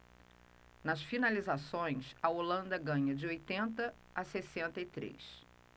nas finalizações a holanda ganha de oitenta a sessenta e três